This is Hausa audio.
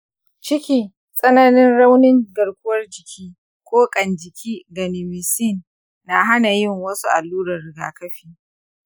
ciki, tsananin raunin garkuwar jiki, ko ƙan-jiki ga neomycin na hana yin wasu alluran rigakafi.